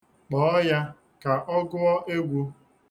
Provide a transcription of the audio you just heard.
Kpọọ ya ka ọ gụọ egwu.